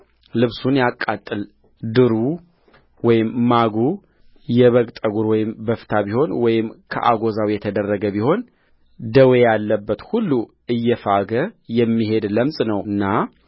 ልብሱን ያቃጥል ድሩ ወይም ማጉ የበግ ጠጕር ወይም በፍታ ቢሆን ወይም ከአጐዛው የተደረገ ቢሆን ደዌ ያለበት ሁሉ እየፋገ የሚሄድ ለምጽ ነውና